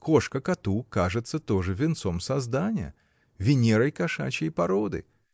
Кошка коту кажется тоже венцом создания, Венерой кошачьей породы!